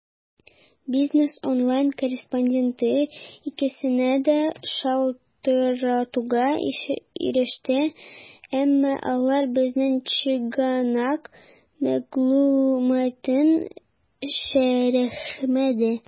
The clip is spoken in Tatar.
"бизнес online" корреспонденты икесенә дә шалтыратуга иреште, әмма алар безнең чыганак мәгълүматын шәрехләмәде.